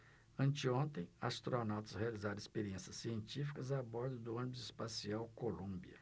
anteontem astronautas realizaram experiências científicas a bordo do ônibus espacial columbia